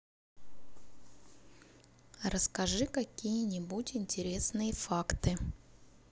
расскажи какие нибудь интересные факты